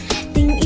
tình